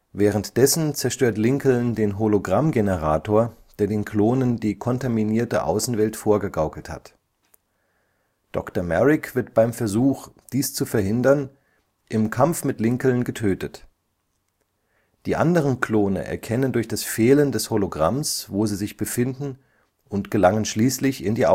Währenddessen zerstört Lincoln den Hologramm-Generator, der den Klonen die kontaminierte Außenwelt vorgegaukelt hat. Dr. Merrick wird beim Versuch, dies zu verhindern, im Kampf mit Lincoln getötet. Die anderen Klone erkennen durch das Fehlen des Hologramms, wo sie sich befinden, und gelangen schließlich in die